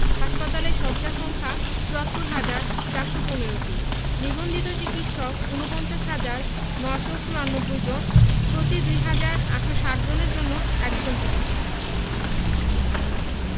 হাসপাতালের শয্যা সংখ্যা ৭৪হাজার ৪১৫টি নিবন্ধিত চিকিৎসক ৪৯হাজার ৯৯৪ জন প্রতি ২হাজার ৮৬০ জনের জন্য একজন চিকিৎসক